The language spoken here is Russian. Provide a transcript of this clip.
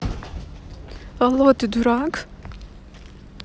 алло ты дурак